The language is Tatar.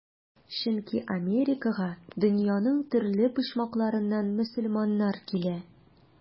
Чөнки Америкага дөньяның төрле почмакларыннан мөселманнар килә.